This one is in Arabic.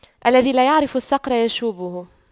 الذي لا يعرف الصقر يشويه